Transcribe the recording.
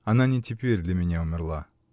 -- Она не теперь для меня умерла.